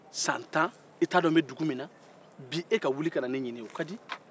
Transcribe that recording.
san tan e ta dɔn n bɛ dugu min na bi e ka wuli ka na ne ɲini o kadi